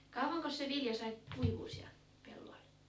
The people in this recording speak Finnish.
kauankos se vilja sai kuivua siellä pelloilla